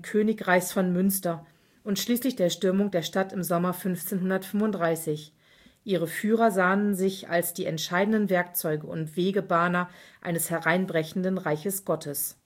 Königreichs von Münster “und schließlich der Stürmung der Stadt im Sommer 1535. Ihre Führer sahen sich als die entscheidenden Werkzeuge und Wegebahner eines hereinbrechenden Reiches Gottes